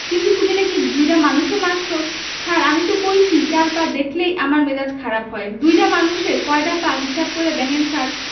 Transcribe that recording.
কিন্তু তুমি নাকি দুইটা মানুষও মারছো ছার আমি তো কইছিই চাইর পা দেখলেই আমার মেজাজ খারাপ হয় দুই মানুষে কয়ডা পা হিসাব কইরা দেখেন ছার